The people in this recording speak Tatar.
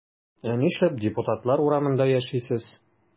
Ә нишләп депутатлар урамында яшисез?